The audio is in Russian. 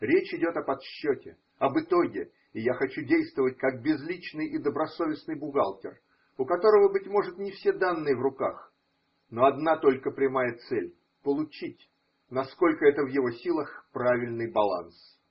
Речь идет о подсчете, об итоге, и я хочу действовать, как безличный и добросовестный бухгалтер, у которого, быть может, не все данные в руках, но одна только прямая цель – получить, насколько это в его силах, правильный баланс.